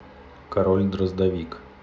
король дроздовик